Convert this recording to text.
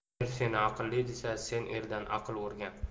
el seni aqlli desa sen eldan aql o'rgan